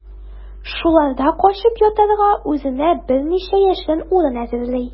Шуларда качып ятарга үзенә берничә яшерен урын әзерли.